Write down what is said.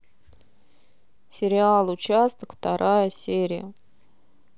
сериал участок вторая серия